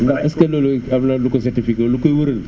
ndax est ce que loolu am na lu koy certifié que lu koy wéral